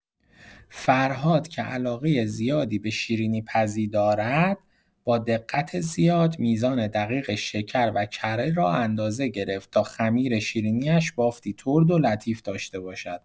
فرهاد که علاقه زیادی به شیرینی‌پزی دارد، با دقت زیاد میزان دقیق شکر و کره را اندازه گرفت تا خمیر شیرینی‌اش بافتی ترد و لطیف داشته باشد.